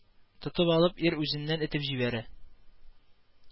Тотып алып, ир үзеннән этеп ибәрә